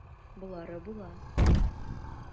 Болары була.